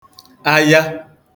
aya